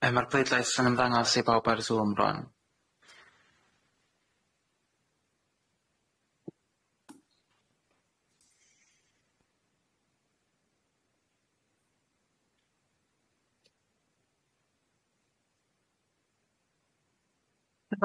Yy ma'r pleidlais yn ymddangos i bawb ar Zoom rŵan.